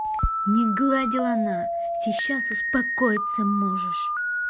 не гладил она сейчас успокоится можешь